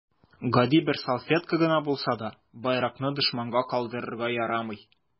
Гади бер салфетка гына булса да, байракны дошманга калдырырга ярамый.